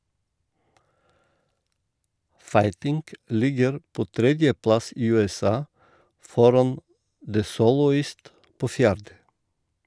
"Fighting" ligger på tredjeplass i USA, foran "The Soloist" på fjerde.